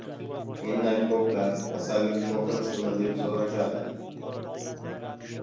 mendan ko'plar kasallik qo'rqinchlimi deb so'rashadi